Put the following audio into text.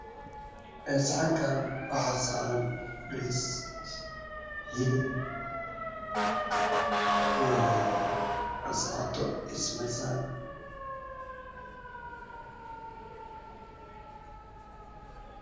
Ee saxankan waxaa saran biriis iyo hilib iyo ansalato iyo simirsan